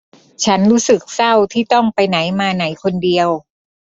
ฉันรู้สึกเศร้าที่ต้องไปไหนมาไหนคนเดียว